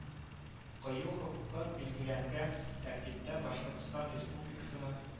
Кую хокукын билгеләнгән тәртиптә башкортстан республикасына